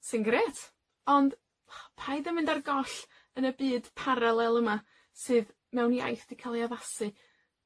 Sy'n grêt, ond, paid â mynd ar goll yn y byd paralel yma sydd mewn iaith cael ei addasu.